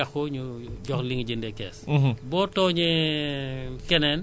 trente six mille wi mën nañu ne bu fas bi dee dañu lay delloo fas